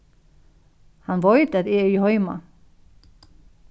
hann veit at eg eri heima